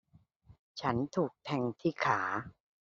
ฉันถูกแทงที่ขา